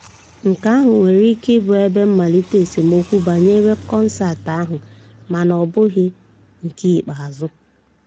Nke ahụ nwere ike ịbụ ebe mmalite esemokwu banyere kọnseetị ahụ, mana ọ bụghị nke ikpeazụ.